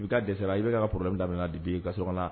I bɛ taa dɛsɛɛrɛ i bɛ bɛka ka foroɔrɔlen daminɛ bi i ka so kɔnɔ la